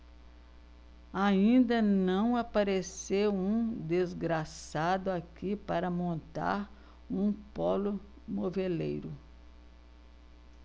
ainda não apareceu um desgraçado aqui para montar um pólo moveleiro